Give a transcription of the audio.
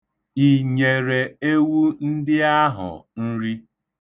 I nyere ewu ndị ahụ nri?